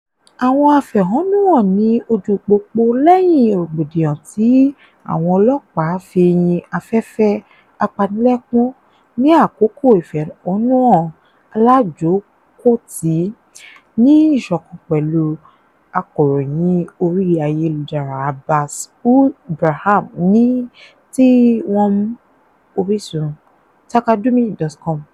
Àwọn afẹ̀hónúhàn ní ojú pópó lẹ́yìn rògbòdìyàn tí àwọn ọlọ́pàá fi yin afẹ́fẹ́ apanilẹ́kún ní àkókò ìfẹ̀hónúhàn-alájòkòótì ní ìṣọ̀kan pẹ̀lú akọ̀ròyìn orí ayélujára Abbass Ould Braham tí wọ́n mú (orísun: Taqadoumy.com)